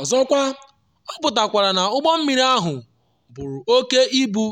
Ọzọkwa, ọ pụtakwara na ụgbọ mmiri ahụ buru oke ibu